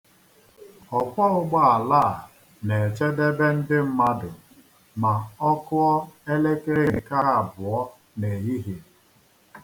Ọkwọ ụgbọala a na-echedebe ndị mmadụ ma ọ kụọ elekere nke abụọ n'ehihie.